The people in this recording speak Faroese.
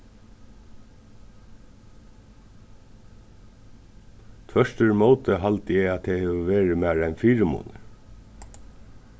tvørturímóti haldi eg at tað hevur verið mær ein fyrimunur